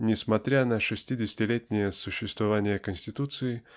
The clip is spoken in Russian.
несмотря на шестидесятилетнее существование конституции